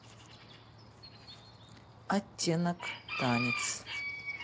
оттенок танец